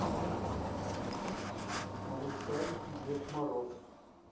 малышарики дед мороз